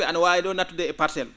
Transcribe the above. ana waawi ?oo naattude e parcelle